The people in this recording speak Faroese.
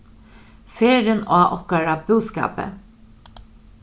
ferðin á okkara búskapi